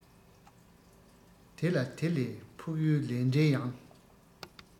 དེ ལ དེ ལས ཕུགས ཡུལ ལས འབྲས ཡང